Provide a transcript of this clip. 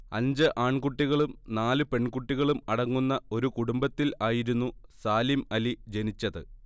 അഞ്ച് ആൺകുട്ടികളും നാല് പെൺകുട്ടികളും അടങ്ങുന്ന ഒരു കുടുംബത്തിൽ ആയിരുന്നു സാലിം അലി ജനിച്ചത്